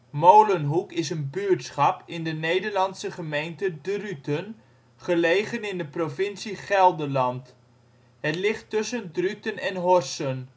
Molenhoek is een buurtschap in de Nederlandse gemeente Druten, gelegen in de provincie Gelderland. Het ligt tussen Druten en Horssen